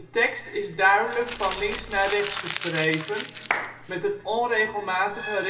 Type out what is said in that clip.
tekst is duidelijk van links naar rechts geschreven, met een onregelmatige